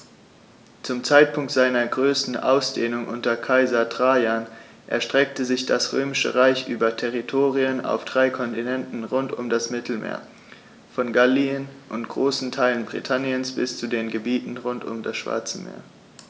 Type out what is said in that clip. Zum Zeitpunkt seiner größten Ausdehnung unter Kaiser Trajan erstreckte sich das Römische Reich über Territorien auf drei Kontinenten rund um das Mittelmeer: Von Gallien und großen Teilen Britanniens bis zu den Gebieten rund um das Schwarze Meer.